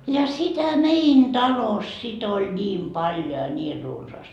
ja sitä meidän talossa sitten oli niin paljon ja niin runsaasti